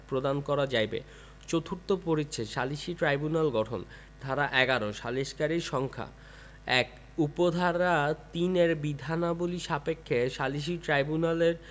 প্রদান করা যাইবে চতুর্থ পরিচ্ছেদ সালিসী ট্রাইব্যুনাল গঠন ধারা ১১ সালিসকারীর সংখ্যাঃ ১ উপ ধারা ৩ এর বিধানাবলী সাপেক্ষে সালিসী ট্রাইব্যুনালের